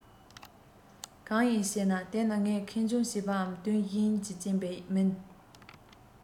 གང ཡིན ཞེ ན དེ ནི ངས ཁེངས སྐྱུང བྱས པའམ དོན གཞན གྱི རྐྱེན པས མིན